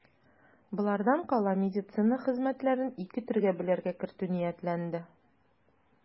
Болардан кала медицина хезмәтләрен ике төргә бүләргә кертү ниятләнде.